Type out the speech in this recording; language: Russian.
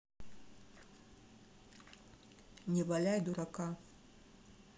не валяй дурака